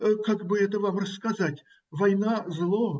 как бы это вам рассказать? Война - зло